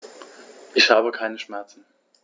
Ich habe keine Schmerzen.